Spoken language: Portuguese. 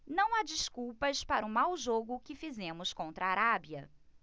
não há desculpas para o mau jogo que fizemos contra a arábia